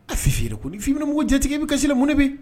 A f' fii' i bɛ mun jatigi i bɛ kasim bi